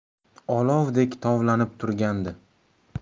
olovdek tovlanib turgandi